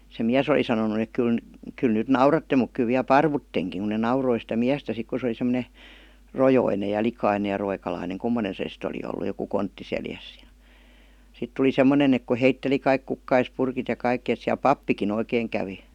se mies oli sanonut että kyllä - kyllä nyt nauratte mutta kyllä vielä paruttekin kun ne nauroi sitä miestä sitten kun se oli semmoinen rojoinen ja likainen ja roikalainen kummoinen se sitten oli ollut joku kontti selässä ja sitten tuli semmoinen että kun heitteli kaikki kukkaspurkit ja kaikki että siellä pappikin oikein kävi